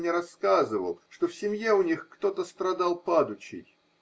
он мне рассказывал, что в семье у них кто-то страдал падучей.